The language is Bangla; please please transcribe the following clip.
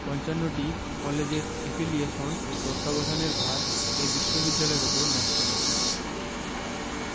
৫৫টি কলেজের এফিলিয়েশন ও তত্ত্বাবধানের ভার এ বিশ্ববিদ্যালয়ের ওপর ন্যস্ত হয়